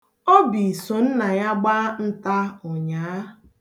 Obi so nna ya gbaa nta ụnyaa.